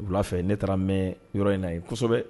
U wula fɛ ne taara n mɛn yɔrɔ in na yen kosɛbɛ